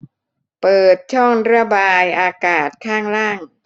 เปิดช่องระบายอากาศข้างล่าง